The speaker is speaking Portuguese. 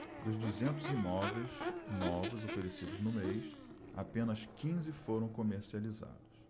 dos duzentos imóveis novos oferecidos no mês apenas quinze foram comercializados